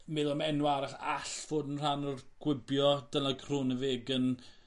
meddwl am enwe arall all fod yn rhan o'r gwibio Dylan Groenewegen